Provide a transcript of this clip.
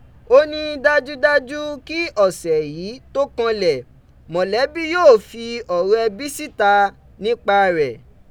O ni dajudaju ki ọsẹ yii to kanlẹ, mọlẹbi yoo fi ọrọ ẹbi sita nipa rẹ.